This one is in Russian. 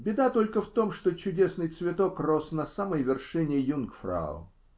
Беда только в том, что чудесный цветок рос на самой вершине Юнгфрау.